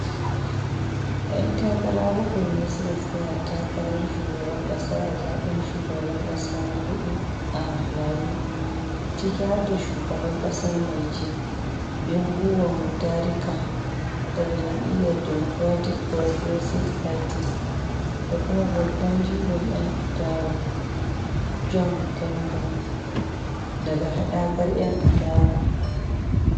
Yan takara bakwa ne suka tsaya takarar shugaban ƙasa a zaɓen shugaban ƙasa na huɗu a Malawi, ciki har da shugaban ƙasa mai ci, Bingu wa Mutharika, daga jam’iyyar Democratic Progressive Party, da kuma babban jigon 'yan adawa, John Tembo, daga haɗakar 'yan adawa.